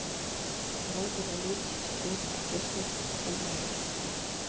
порой говорит сестру протестно погулять